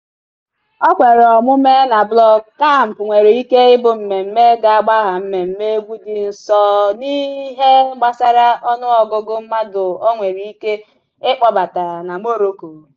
O kwere omume na Blog Camp nwere ike ịbụ mmemme ga-agbagha Mmemme Egwu Dị Nsọ n'ihe gbasara ọnụọgụgụ mmadụ o nwere ike ịkpọbata na Morocco.